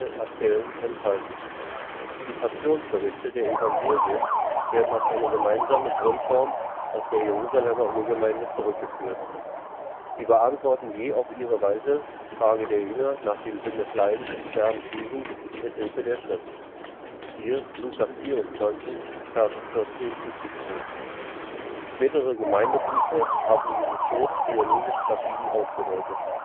erzählend entfaltet. Die Passionsberichte der Evangelien werden auf eine gemeinsame Grundform aus der Jerusalemer Urgemeinde zurückgeführt. Sie beantworten je auf ihre Weise die Frage der Jünger nach dem Sinn des Leidens und Sterbens Jesu mit Hilfe der Schrift (Lk 24,14 – 17). Spätere Gemeindebriefe haben Jesu Tod theologisch verschieden ausgedeutet